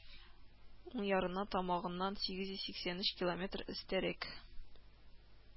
Уң ярына тамагыннан сигез йөз сиксән өч километр өстәрәк